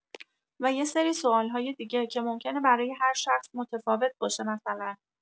و یسری سوال‌های دیگه که ممکنه برای هر شخص متفاوت باشه مثلا